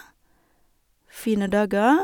Fine dager.